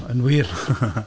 Yn wir